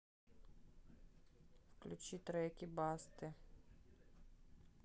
включи треки басты